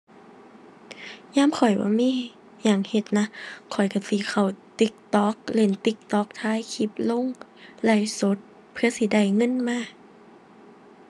ยามข้อยบ่มีหยังเฮ็ดนะ ข้อยก็สิเข้า TikTok เล่น TikTok ถ่ายคลิปลงไลฟ์สด เพื่อสิได้เงินมา